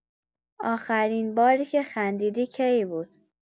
آخرین باری که خندیدی کی بود؟